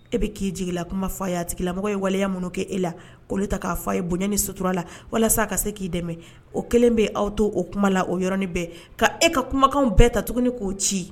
E bɛ k'i jigin la kuma fa ye; a tigilamɔgɔ ye waleya minnu kɛ e la k'olu ta k'a fɔ e ye bonya ni sutura la walasa ka se k'i dɛmɛ o kelen bɛ aw to o kuma la o yɔrɔnin bɛɛ ka e ka kumakan bɛɛ ta tuguni k'o ci